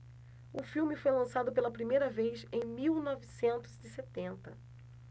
o filme foi lançado pela primeira vez em mil novecentos e setenta